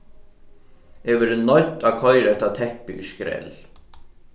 eg verði noydd at koyra hetta teppið í skrell